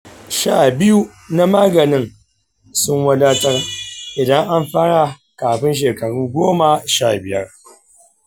sha biyu na maganin sun wadatar idan an fara kafin shekaru goma sha biyar.